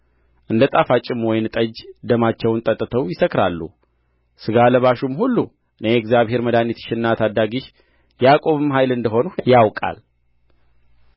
እንደ ጣፋጭም ወይን ጠጅ ደማቸውን ጠጥተው ይሰክራሉ ሥጋ ለባሹም ሁሉ እኔ እግዚአብሔር መድኃኒትሽና ታዳጊሽ የያዕቆብ ኃያል እንደ ሆንሁ ያውቃል